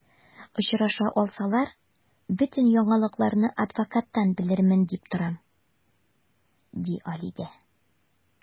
Очраша алсалар, бөтен яңалыкларны адвокаттан белермен дип торам, ди Алидә.